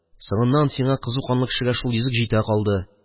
Соңыннан сиңа, кызу канлы кешегә, шул йөзек җитә калды.